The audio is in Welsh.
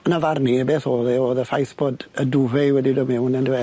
Yn 'yn farn i yy beth o'dd e o'dd y ffaith bod y duvet wedi dod mewn on'd yfe?